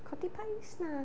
Codi Pais? Na.